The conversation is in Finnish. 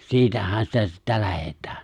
siitähän sitä sitten lähdetään